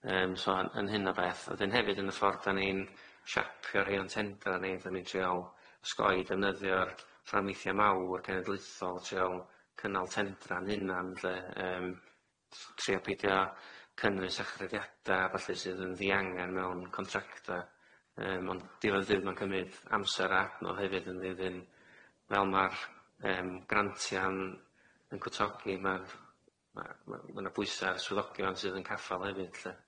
Yym so yn hyn o beth wedyn hefyd yn y ffordd 'dan ni'n shapio rhei o'n tendra ni 'dan ni'n trial osgoi defnyddio'r fframweithia mawr cenedluthol trial cynnal tendra'n hunan lly yym s- trio peidio cynnwys achrydiada a ballu sydd yn ddiangan mewn contracta yym ond diwadd dydd ma'n cymyd amser a adnodd hefyd yn dydi fel ma'r yym grantia'n yn cytogi ma'r ma' ma' ma' 'na bwysa ar swyddogion sydd yn caffal hefyd lly.